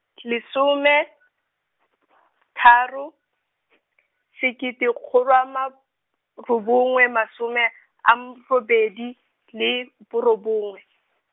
lesome , tharo , sekete kgolo ama robongwe masome, a m- robedi, le borobongwe.